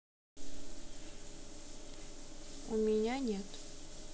у меня нет